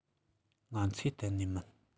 ང ཚོའི གཏན ནས མིན